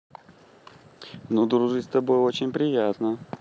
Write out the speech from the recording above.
ну дружить с тобой очень приятно